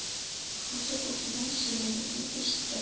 hozir o'qigan she'ringizni eshitdim